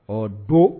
Ɔ don